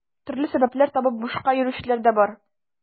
Төрле сәбәпләр табып бушка йөрүчеләр дә бар.